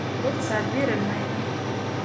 ruxsat berilmaydi